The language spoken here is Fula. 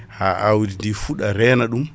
ha awdidi fuɗa reena ɗum